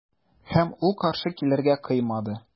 Һәм ул каршы килергә кыймады.